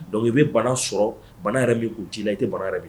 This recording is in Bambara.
Dɔnku i bɛ bana sɔrɔ bana yɛrɛ min ji la i tɛ ban yɛrɛ bɛ